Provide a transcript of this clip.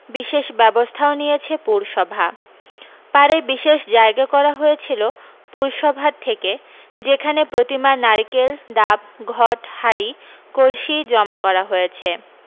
বিশেষ ব্যবস্থাও নিয়েছে পুরসভা পাড়ে বিশেষ জায়গা করা হয়েছিলো পুরসভার থেকে যেখানে প্রতিমার নারকেল ডাব ঘট হাঁড়ি কলসি জমা করা হয়েছে